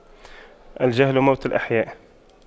الجهل موت الأحياء